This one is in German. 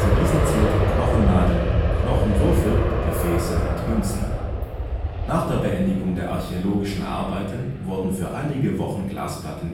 diesen zählten Knochennadeln, Knochenwürfel, Gefäße und Münzen. Nach der Beendigung der archäologischen Arbeiten wurden für einige Wochen Glasplatten